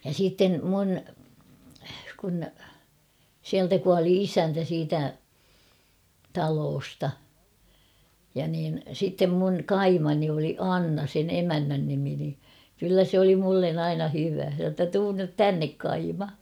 ja sitten minun kun sieltä kuoli isäntä siitä talosta ja niin sitten minun kaimani oli Anna sen emännän nimi niin kyllä se oli minulle aina hyvä se sanoi jotta tule nyt tänne kaima